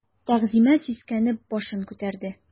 Тәгъзимә сискәнеп башын күтәрде.